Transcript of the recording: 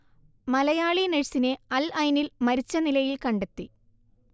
മലയാളി നഴ്സിനെ അൽഐനിൽ മരിച്ച നിലയിൽ കണ്ടെത്തി